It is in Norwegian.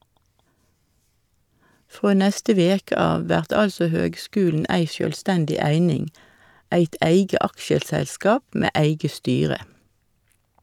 Frå neste veke av vert altså høgskulen ei sjølvstendig eining, eit eige aksjeselskap med eige styre.